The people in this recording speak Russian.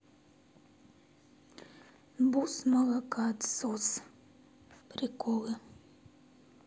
босс молокосос приколы